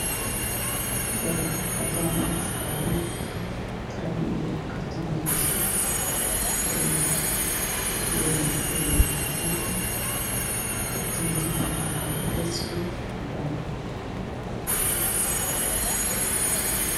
Meeshaan waxaa yaalo burcad la dul saaran laba kareen oo cod cad meesha yaalaan waa caddaan